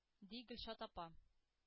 – ди гөлшат апа.